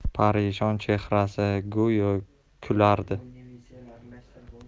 parishon chehrasi go'yo kulardi